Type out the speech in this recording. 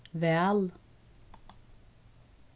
væl